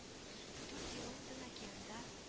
Дүрт елын Тын океанда